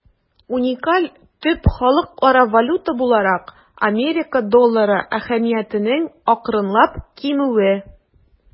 Уникаль төп халыкара валюта буларак Америка доллары әһәмиятенең акрынлап кимүе.